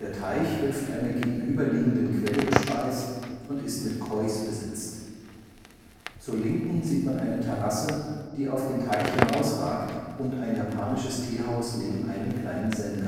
Teich wird von einer gegenüberliegenden Quelle gespeist und ist mit Kois besetzt. Zur Linken sieht man eine Terrasse, die auf den Teich hinausragt, und ein japanisches Teehaus neben einem kleinen Zen-Garten